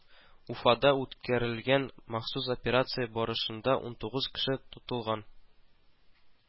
Уфада үткәрелгән махсус операция барышында унтугыз кеше тотылган